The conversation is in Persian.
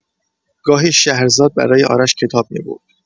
گاهی شهرزاد برای آرش کتاب می‌برد.